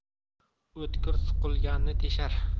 o'tkir suqulganni teshar